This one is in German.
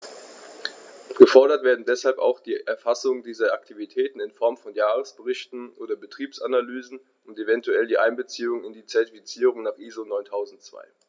Gefordert werden deshalb auch die Erfassung dieser Aktivitäten in Form von Jahresberichten oder Betriebsanalysen und eventuell die Einbeziehung in die Zertifizierung nach ISO 9002.